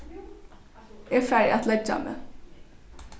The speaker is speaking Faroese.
eg fari at leggja meg